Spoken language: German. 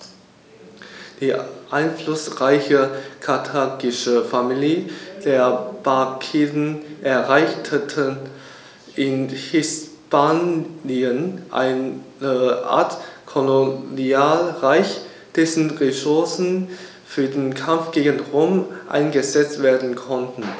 Die einflussreiche karthagische Familie der Barkiden errichtete in Hispanien eine Art Kolonialreich, dessen Ressourcen für den Kampf gegen Rom eingesetzt werden konnten.